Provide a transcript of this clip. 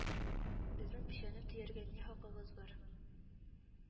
Безнең печәнне төяргә ни хакыгыз бар